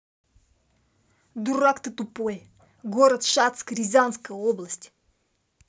дурак ты тупой город шацк рязанская область